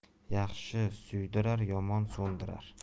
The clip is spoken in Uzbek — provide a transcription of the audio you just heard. yaxshi suydirar yomon so'ndirar